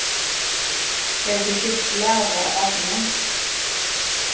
hevur tú skift blæu á barninum